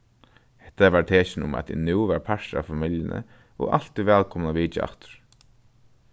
hetta var tekin um at eg nú var partur av familjuni og altíð vælkomin at vitja aftur